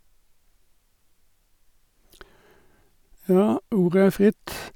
Ja, ordet er fritt.